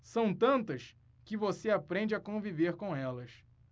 são tantas que você aprende a conviver com elas